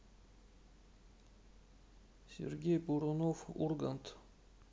сергей бурунов ургант